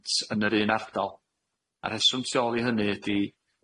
...plant yn yr un ardal a'r rheswm tu ôl i hynny ydi